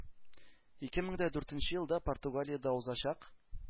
Ике мең дә дүртенче елда Португалиядә узачак